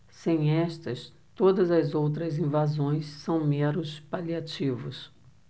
sem estas todas as outras invasões são meros paliativos